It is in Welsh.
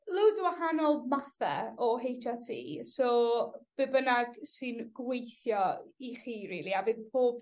loads o wahanol mathe o Heitch Are Tee so be' bynnag sy'n gweithio i chi rili a bydd pob